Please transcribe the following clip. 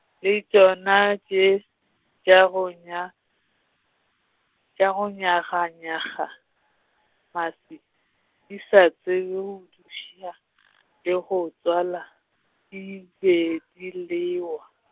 le tšona tše, tša go nya-, tša go nyaganyaga, maswi, di sa tsebe go duša , le go tswala, di be di lewa.